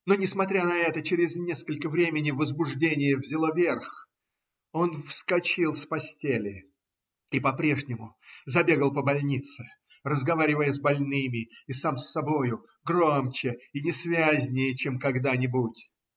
Но, несмотря на это, через несколько времени возбуждение взяло верх, он вскочил с постели и по-прежнему забегал по больнице, разговаривая с больными и сам с собою громче и несвязнее, чем когда-нибудь.